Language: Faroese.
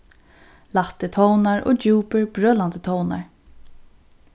lættir tónar og djúpir brølandi tónar